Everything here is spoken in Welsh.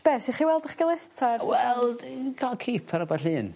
Be' e's i chi weld 'ych gilydd 'ta... Wel ca'l cip ar amball un.